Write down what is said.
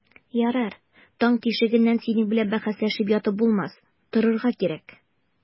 Ярар, таң тишегеннән синең белән бәхәсләшеп ятып булмас, торырга кирәк.